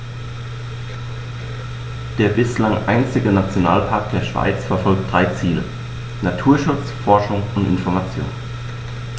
Der bislang einzige Nationalpark der Schweiz verfolgt drei Ziele: Naturschutz, Forschung und Information.